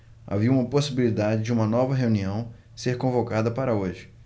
havia possibilidade de uma nova reunião ser convocada para hoje